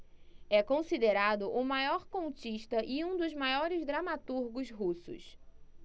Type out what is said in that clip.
é considerado o maior contista e um dos maiores dramaturgos russos